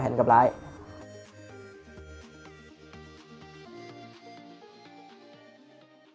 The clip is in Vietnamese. truy cập vnsfs net để đón xem blackclover tập mới nhất